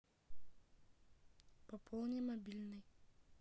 пополни мобильный